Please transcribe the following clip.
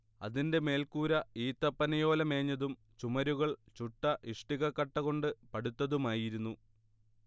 അതിന്റെ മേൽക്കൂര ഈത്തപ്പനയോല മേഞ്ഞതും ചുമരുകൾ ചുട്ട ഇഷ്ടിക കട്ട കൊണ്ട് പടുത്തതുമായിരുന്നു